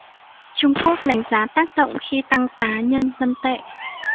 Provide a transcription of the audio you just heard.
trung quốc đánh giá tác động khi tăng giá nhân dân tệ